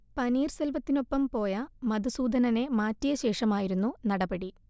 പനീർസെൽവത്തിനൊപ്പം പോയ മധുസൂദനനെ മാറ്റിയ ശേഷമായിരുന്നു നടപടി